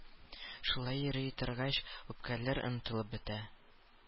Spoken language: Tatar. Шулай йөри торгач үпкәләр онытылып бетә.